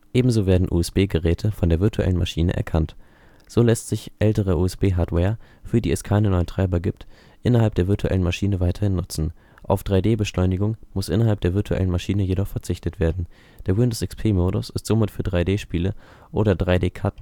Ebenso werden USB-Geräte von der virtuellen Maschine erkannt. So lässt sich ältere USB-Hardware, für die es keine neuen Treiber gibt, innerhalb der virtuellen Maschine weiterhin nutzen. Auf 3D-Beschleunigung muss innerhalb der virtuellen Maschine jedoch verzichtet werden. Der Windows-XP-Modus ist somit für 3D-Spiele oder 3D-CAD